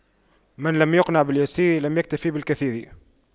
من لم يقنع باليسير لم يكتف بالكثير